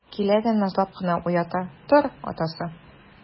Килә дә назлап кына уята: - Тор, атасы!